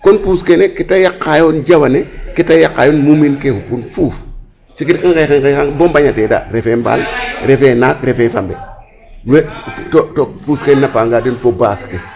Kon puus kene ke da yaqaayo jawane ke ta yaqaayo muumeen ke xupun fuuf cegel ke nqeexange bo mbañatee daaɗ refee mbaal, refee naak, refee fambe to to puus kene naa pangaa den fo basse ke.